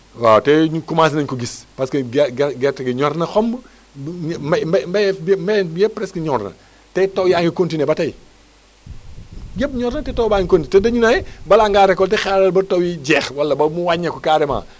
waaw te ñun commencé nañu ko gis parce que ge ge gerte gi ñor na xomm ñe mbé mbéyeef bi yëpp presque ñor na te taw yaa ngi continué ba tey yëpp ñor na te taw baa ngi continué te dañu ne balaa ngaa récolté xaaral ba taw yi jeex wala ba mu wàññeeku carrément